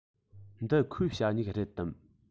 འདི ཁོའི ཞ སྨྱུག རེད དམ